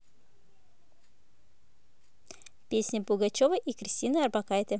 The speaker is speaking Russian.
песня пугачевой и кристины орбакайте